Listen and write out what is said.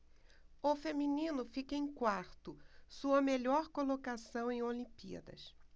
o feminino fica em quarto sua melhor colocação em olimpíadas